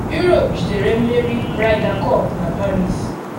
Europe jidere mmeri Ryder Cup na Paris